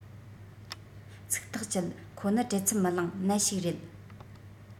ཚིག ཐག བཅད ཁོ ནི བྲེལ འཚུབ མི ལངས ནད ཞིག རེད